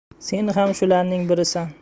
sen ham shularning birisan